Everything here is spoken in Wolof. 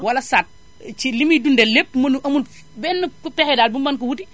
wala soit ci li muy dundee lépp mënu amul benn pexe daal bu mën ko wuti